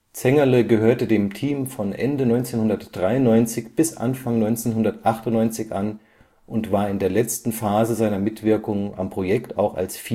Zengerle gehörte dem Team von Ende 1993 bis Anfang 1998 an und war in der letzten Phase seiner Mitwirkung am Projekt auch als